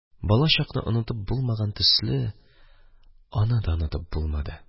Балачакны онытып булмаган төсле, аны да онытып булмады.